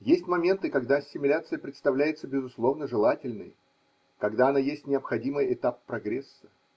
Есть моменты, когда ассимиляция представляется безусловно желательной, когда она есть необходимый этап прогресса.